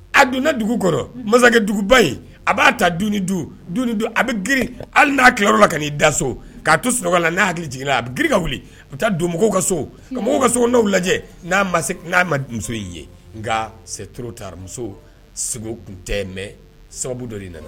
A donna ne dugu kɔrɔ masakɛduguba in a b'a ta a bɛ g hali n'a kɛlɛ la ka'i da so'a to so n'a hakili jiginna a bɛ g ka wuli a bɛ taa don mɔgɔw ka so ka mɔgɔw ka so n'aw lajɛ n'a ma se n'a ma muso i ye nka se taara muso tun tɛ mɛ sababu dɔ nana